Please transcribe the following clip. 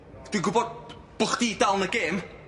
Dwi'n gwbo b- bo' chdi dal yn y gêm.